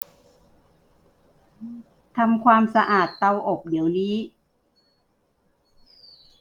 ทำความสะอาดเตาอบเดี๋ยวนี้